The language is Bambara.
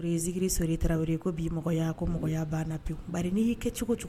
O ye zikiri Sori Tarawele ye, ko bi mɔgɔya, ko mɔgɔya banna pewu bari n'i y'i kɛ cogo cogo